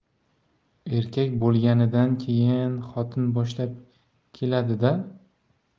erkak bo'lganidan keyin xotin boshlab keladi da